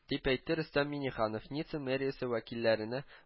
Дип әйтте рөстәм миңнеханов ницца мэриясе вәкилләренә